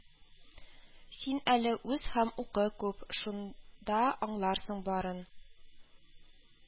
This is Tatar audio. Син әле үс һәм укы күп, шун да аңларсың барын